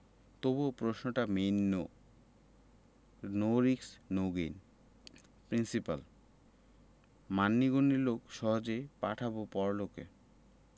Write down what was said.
তবুও প্রশ্নটা main no risk no gain principle মান্যিগন্যি লোক সহজেই পাঠাবো পরলোকে